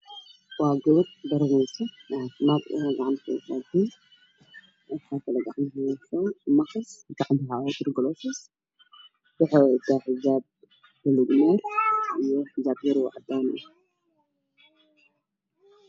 Waa gabar dureyso bukaan gacmaha waxaa ugu juro galoofis mideb koodu yihiin qaxwi